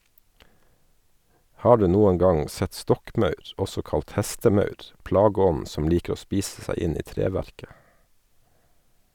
Har du noen gang sett stokkmaur, også kalt hestemaur, plageånden som liker å spise seg inn i treverket?